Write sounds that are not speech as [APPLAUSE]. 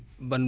[HESITATION] [HESITATION]